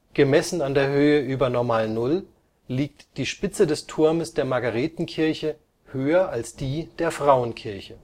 Gemessen an der Höhe über Normalnull liegt die Spitze des Turmes der Margaretenkirche höher als die der Frauenkirche